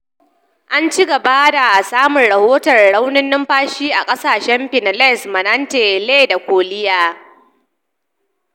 An cigaba da samun rahoton Raunin numfashi a kasashen Pinellas, Manatee, Lee, da Collier.